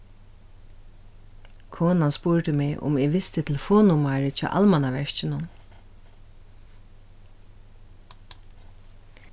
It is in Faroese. konan spurdi meg um eg visti telefonnummarið hjá almannaverkinum